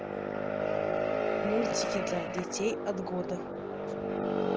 мультики для детей от года